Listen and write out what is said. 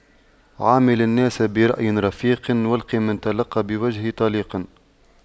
عامل الناس برأي رفيق والق من تلقى بوجه طليق